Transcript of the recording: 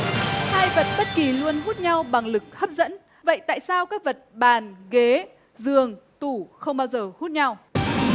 hai vật bất kỳ luôn hút nhau bằng lực hấp dẫn vậy tại sao các vật bàn ghế giường tủ không bao giờ hút nhau